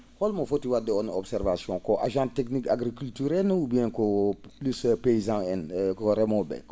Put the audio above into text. holmo foti wa?de oon observation ko agent technique agriculture en ou bien ko plus paysan en ko remoo?e